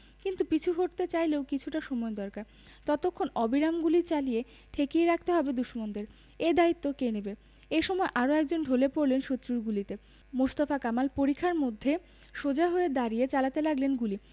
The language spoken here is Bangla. কিন্তু পিছু হটতে চাইলেও কিছুটা সময় দরকার ততক্ষণ অবিরাম গুলি চালিয়ে ঠেকিয়ে রাখতে হবে দুশমনদের এ দায়িত্ব কে নেবে এ সময় আরও একজন ঢলে পড়লেন শত্রুর গুলিতে মোস্তফা কামাল পরিখার মধ্যে সোজা হয়ে দাঁড়িয়ে চালাতে লাগলেন গুলি